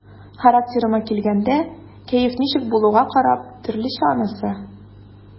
Характерыма килгәндә, кәеф ничек булуга карап, төрлечә анысы.